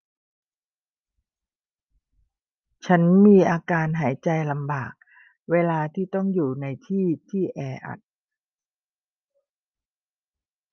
ฉันมีอาการหายใจลำบากเวลาที่ต้องอยู่ในที่ที่แออัด